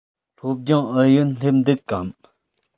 སློབ སྦྱོང ཨུ ཡོན སླེབས འདུག གམ